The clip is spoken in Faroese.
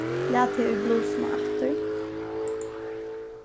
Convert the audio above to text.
lat teg í blusuna aftur